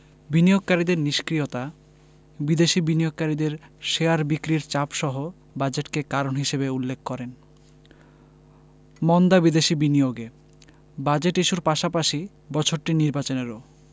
বিনিয়োগকারীদের নিষ্ক্রিয়তা বিদেশি বিনিয়োগকারীদের শেয়ার বিক্রির চাপসহ বাজেটকে কারণ হিসেবে উল্লেখ করেন মন্দা বিদেশি বিনিয়োগে বাজেট ইস্যুর পাশাপাশি বছরটি নির্বাচনেরও